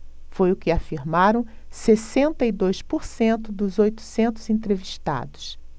foi o que afirmaram sessenta e dois por cento dos oitocentos entrevistados